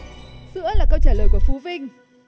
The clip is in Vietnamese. sữa là câu trả lời của phú vinh